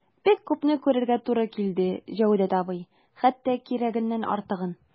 Бик күпне күрергә туры килде, Җәүдәт абый, хәтта кирәгеннән артыгын...